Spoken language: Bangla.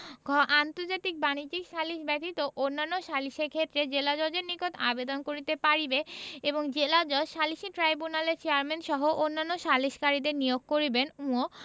ঘ আন্তর্জাতিক বাণিজ্যিক সালিস ব্যতীত অন্যান্য সালিসের ক্ষেত্রে জেলাজজের নিকট আবেদন করিতে পারিবে এবং জেলাজজ সালিসী ট্রাইব্যুনালের চেয়ারম্যানসহ অন্যান্য সালিসকারীদের নিয়োগ করিবেন